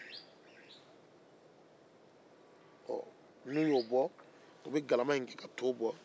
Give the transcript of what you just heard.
u be galama in kɛ ka to bɔ